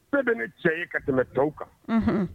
Bɛɛ bɛ ne cɛ ye ka tɛmɛ tɔw kan